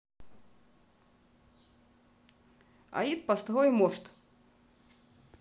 аид построй можт